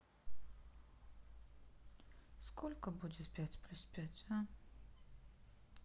сколько будет пять плюс пять а